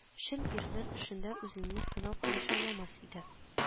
Чын ирләр эшендә үзеңне сынау комачауламас иде